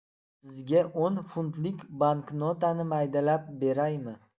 sizga o'n funtlik banknotani maydalab beraymi